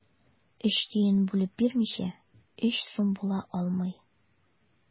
Өч тиен бүлеп бирмичә, өч сум була алмый.